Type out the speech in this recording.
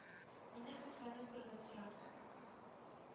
Мине көткәне күренеп тора.